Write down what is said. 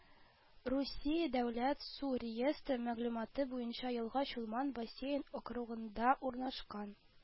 Русия дәүләт су реестры мәгълүматы буенча елга Чулман бассейн округында урнашкан